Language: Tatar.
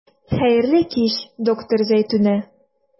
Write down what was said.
Хәерле кич, доктор Зәйтүнә.